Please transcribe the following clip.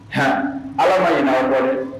H ala ma ɲinɛ bɔ dɛ